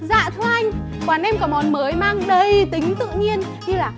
dạ thưa anh quán em có món mới mang đầy tính tự nhiên như là